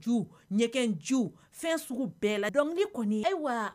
Jo ɲɛgɛn jo fɛn sugu bɛɛ la dɔnkili kɔni ayiwa